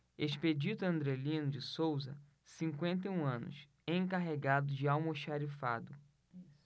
expedito andrelino de souza cinquenta e um anos encarregado de almoxarifado